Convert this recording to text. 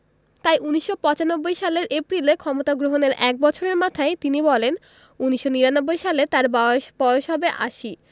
তাই ১৯৯৫ সালের এপ্রিলে ক্ষমতা গ্রহণের এক বছরের মাথায় তিনি বলেন ১৯৯৯ সালে তাঁর বয়স বয়স হবে আশি